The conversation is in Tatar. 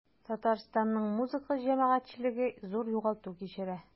Татарстанның музыка җәмәгатьчелеге зур югалту кичерә.